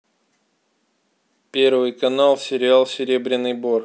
первый канал сериал серебряный бор